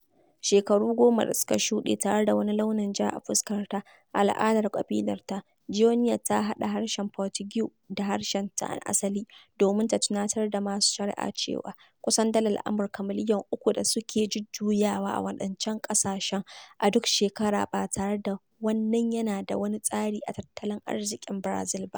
Shekaru goma da suka shuɗe, tare da wani launin ja a fuskarta, a al'adar ƙabilarta, Joenia ta haɗa harshen Portugues da harshenta na asali domin ta tunatar da masu shari'ar cewa kusan dalar Amurka miliyan uku da suke jujjuyawa a waɗancan ƙasashe a duk shekara ba tare da wannan yana da wani tasiri a tattalin arziƙin Barazil ba.